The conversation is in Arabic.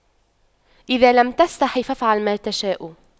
اذا لم تستحي فأفعل ما تشاء